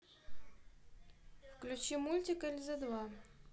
включи мультик эльза два